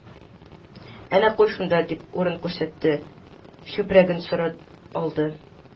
– әнә куй шунда, – дип, урын күрсәтте, чүпрәген сорап алды